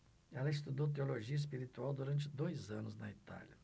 ela estudou teologia espiritual durante dois anos na itália